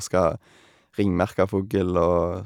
Skal ringmerke fugl, og...